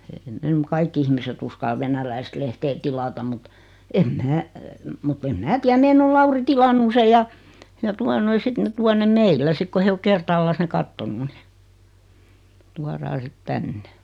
ei ne - kaikki ihmiset uskalla venäläistä lehteä tilata mutta en minä mutta en minä tiedä meidän on Lauri tilannut sen ja ja tuota noin sitten ne tuo ne meillä sitten kun he on kertaalleen ne katsonut niin tuodaan sitten tänne